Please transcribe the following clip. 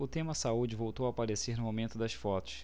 o tema saúde voltou a aparecer no momento das fotos